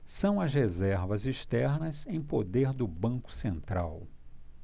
são as reservas externas em poder do banco central